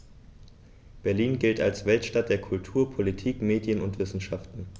Berlin gilt als Weltstadt der Kultur, Politik, Medien und Wissenschaften.